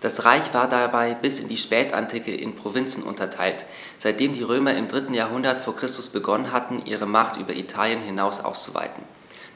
Das Reich war dabei bis in die Spätantike in Provinzen unterteilt, seitdem die Römer im 3. Jahrhundert vor Christus begonnen hatten, ihre Macht über Italien hinaus auszuweiten